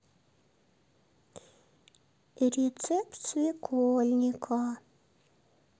рецепт свекольника